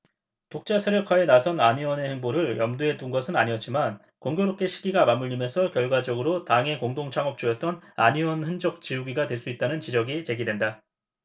독자세력화에 나선 안 의원의 행보를 염두에 둔 것은 아니었지만 공교롭게 시기가 맞물리면서 결과적으로 당의 공동 창업주였던 안 의원 흔적 지우기가 될 수 있다는 지적이 제기된다